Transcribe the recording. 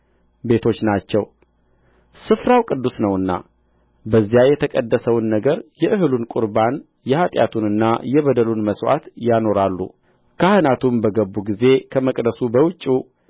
ቤቶች ናቸው ስፍራው ቅዱስ ነውና በዚያ የተቀደሰውን ነገር የእህሉን ቍርባን የኃጢአቱንና የበደሉን መሥዋዕት ያኖራሉ ካህናቱም በገቡ ጊዜ ከመቅደሱ በውጭው